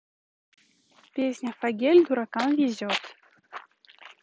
песня фогель дуракам везет